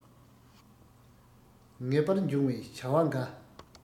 ངེས པར འབྱུང བའི བྱ བ འགའ